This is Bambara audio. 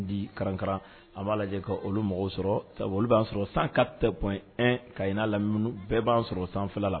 Di karankara a b'a lajɛ ka olu mɔgɔw sɔrɔ sabu olu b'a sɔrɔ san ka tɛ kaa n'a lam bɛɛ b'a sɔrɔ sanfɛfɛ la